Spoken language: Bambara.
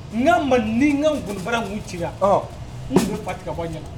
N ga ma ni n ka gɔnibara kun ci la, n bɛ fa tigɛ ka bɔ a ɲɛ na.